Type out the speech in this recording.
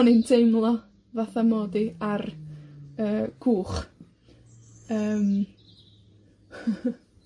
O'n i'n teimlo fatha 'mod i ar, yy, cwch. Yym.